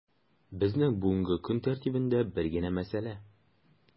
Безнең бүгенге көн тәртибендә бер генә мәсьәлә: